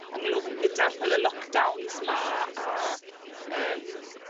ynglwm gyda'r ffel y lock-downs 'ma a yym.